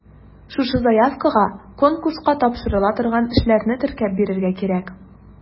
Шушы заявкага конкурска тапшырыла торган эшләрне теркәп бирергә кирәк.